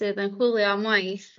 sydd yn chwilio am waith